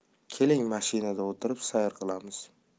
keling mashinada o'tirib sayr qilamiz